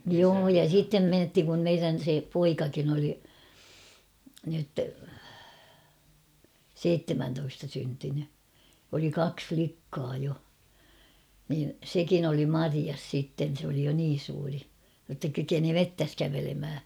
joo ja sitten mentiin kun meidän se poikakin oli nyt seitsemäntoista syntynyt oli kaksi likkaa jo niin sekin oli marjassa sitten se oli jo niin suuri jotta kykeni metsässä kävelemään